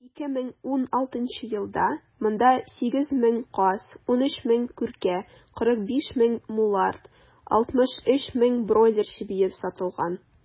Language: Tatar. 2016 елда монда 8 мең каз, 13 мең күркә, 45 мең мулард, 63 мең бройлер чебие сатылган.